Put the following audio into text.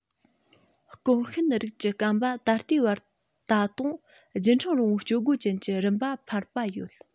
སྐོགས ཤུན རིགས ཀྱི སྐམ པ ད ལྟའི བར ད དུང བརྒྱུད ཕྲེང རིང པོའི སྤྱོད སྒོ ཅན གྱི རིམ པ འཕར པ ཡོད